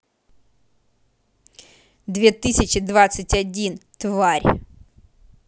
две тысячи двадцать один тварь